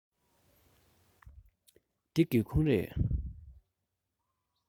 འདི སྒེའུ ཁུང རེད